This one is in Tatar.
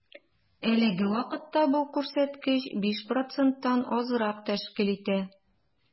Әлеге вакытта бу күрсәткеч 5 проценттан азрак тәшкил итә.